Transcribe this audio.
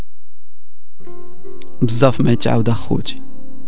بزاف متعوده اخوك